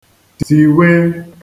tìwe